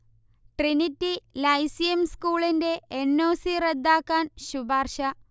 Trinity Lyceum സ്കൂളിന്റെ N. O. C. റദ്ദാക്കാൻ ശുപാർശ